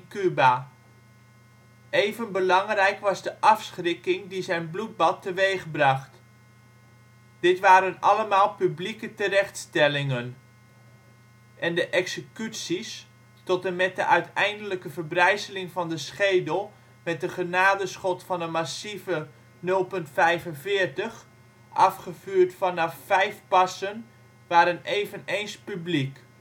Cuba. Even belangrijk was de afschrikking die zijn bloedbad teweegbracht. Dit waren allemaal publieke terechtstellingen. En de executies, tot en met de uiteindelijke verbrijzeling van de schedel met een genadeschot van een massieve 0.45, afgevuurd vanaf vijf passen, waren eveneens publiek